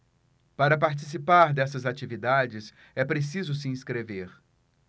para participar dessas atividades é preciso se inscrever